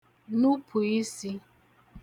nupù isī